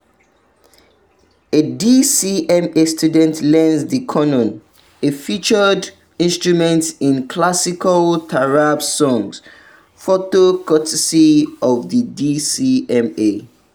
A DCMA student learns the qanun, a featured instrument in classical taarab songs. Photo courtesy of the DCMA.